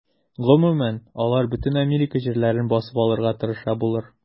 Гомумән, алар бөтен Америка җирләрен басып алырга тырыша булыр.